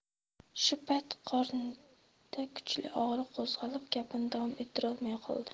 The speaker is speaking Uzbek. shu payt qornida kuchli og'riq qo'zg'alib gapini davom ettirolmay qoldi